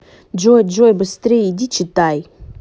джой джой быстрее иди читай